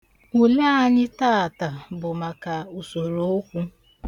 Ule anyị taata bụ maka usorookwu.